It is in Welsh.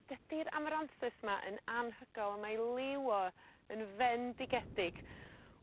Dydi'r amaranthus 'ma yn anhygol mae liw o yn fendigedig.